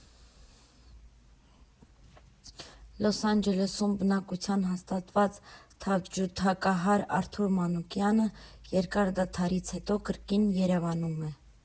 Լոս Անջելեսում բնակություն հաստատած թավջութակահար Արտյոմ Մանուկյանը երկար դադարից հետո կրկին Երևանում է։